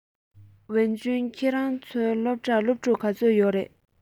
ཝུན ཅུན ཁྱོད རང ཚོའི སློབ གྲྭར སློབ ཕྲུག ག ཚོད ཡོད རེད